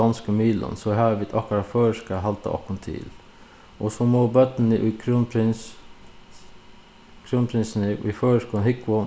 donskum miðlum so hava vit okkara føroyska at halda okkum til og so mugu børnini í krúnprins í føroyskum húgvu